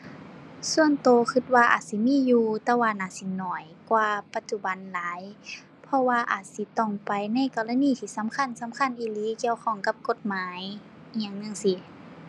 ส่วนตัวตัวว่าอาจสิมีอยู่ แต่ว่าน่าสิน้อยกว่าปัจจุบันหลาย เพราะว่าอาจสิต้องไปในกรณีที่สำคัญสำคัญอีหลีเกี่ยวข้องกับกฎหมาย อิหยังจั่งซี้